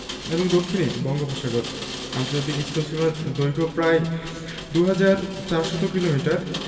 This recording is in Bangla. এবং দক্ষিণে বঙ্গোপসাগর আন্তর্জাতিক স্থলসীমার দৈর্ঘ্য প্রায় ২হাজার ৪০০ কিলোমিটার